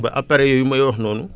ba appareils yooyu may wax noonu